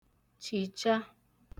chìcha